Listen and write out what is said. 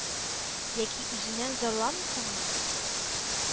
Яки үзеннән зарланмыйсыңмы? —